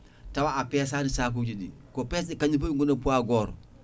tawa e peesani sakujiɗi ko peesɗi kañƴi foof ɗi goona poid goto